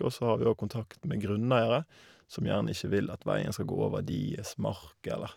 Og så har vi òg kontakt med grunneiere som gjerne ikke vil at veien skal gå over deres mark, eller...